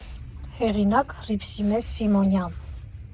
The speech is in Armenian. Հեղինակ՝ Հռիփսիմե Սիմոնյան։